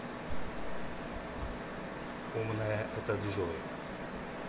умная это джой